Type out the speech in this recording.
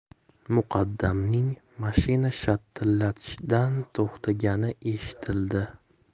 muqaddamning mashina shatillatishdan to'xtagani eshitildi